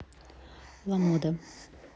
lamoda